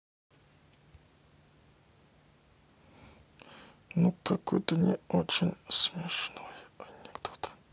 ну какой то не очень смешной анекдот